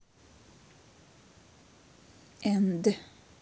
and